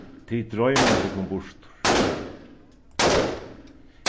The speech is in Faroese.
tit droyma tykkum burtur